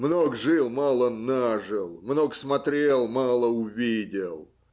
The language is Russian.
Много жил, мало нажил, много смотрел, мало увидел.